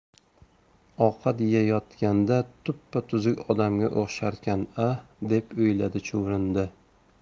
ovqat yeyayotganda tuppa tuzuk odamga o'xsharkan a deb o'yladi chuvrindi